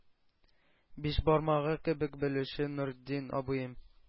Биш бармагы кебек белүче нуретдин абыем